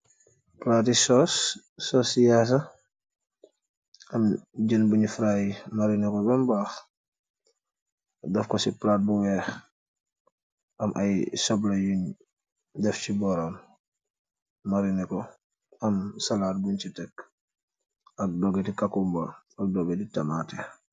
Plati sauce, sauce cii yassa am jeun bungh fry marineh kor behm bakh, def kor cii plat bu wekh, am aiiy sobleh yungh deff cii bohram marineh kor, am salad bungh cii tek ak dogiti cucumber ak dogiti tamateh.